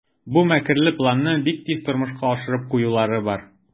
Бу мәкерле планны бик тиз тормышка ашырып куюлары бар.